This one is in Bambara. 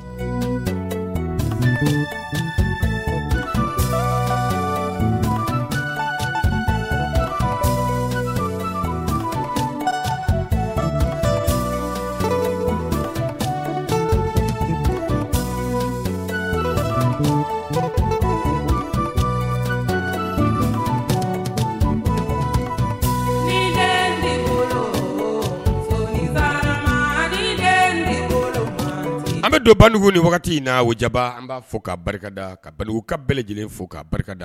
An bɛ don badugu ni wagati in n na wa jaba an b'a fɔ ka barika da ka ka bɛɛ lajɛlen fo k ka barika da